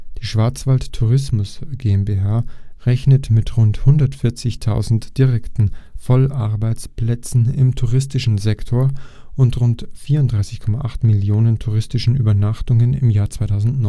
Schwarzwald Tourismus GmbH rechnet mit rund 140.000 direkten Vollarbeitsplätzen im touristischen Sektor und rund 34,8 Millionen touristischen Übernachtungen im Jahr 2009